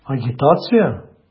Агитация?!